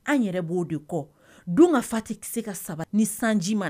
An yɛrɛ b' oo de kɔ don ka fati se ka saba ni sanji ma